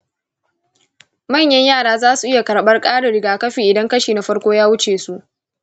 manyan yara za su iya karɓar ƙarin rigakafi idan kashi na farko ya wuce su.